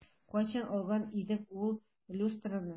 Кайчан алган идек ул люстраны?